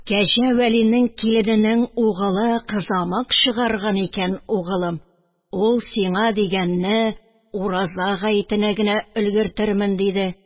Кәҗә Вәлинең килененең угылы кызамык чыгарган икән, угылым, ул сиңа дигәнне ураза гаетенә генә өлгертермен диде